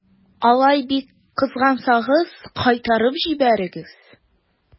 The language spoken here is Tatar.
Алай бик кызгансагыз, кайтарып җибәрегез.